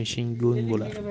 yemishing go'ng bo'lar